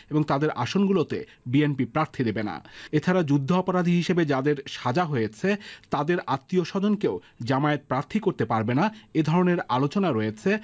এবং তাদের আসনগুলোতে বিএনপি প্রার্থী দেবে না এছাড়াও যুদ্ধাপরাধী হিসেবে যাদের সাজা হয়েছে আত্মীয়-স্বজন কেউ জামায়াত প্রার্থী করতে পারবে না এ ধরনের আলোচনা রয়েছে